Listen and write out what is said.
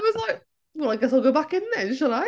She was like "Well I guess I'll go back in then shall I?"